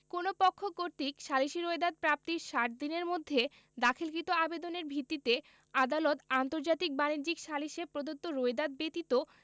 কোন পক্ষ কর্তৃক সালিসী রোয়েদাদ প্রাপ্তির ষাট দিনের মধ্যে দাখিলকৃত আবেদনের ভিত্তিতে আদালত আন্তর্জাতিক বাণিজ্যিক সালিসে প্রদত্ত রোয়েদাদ ব্যতীত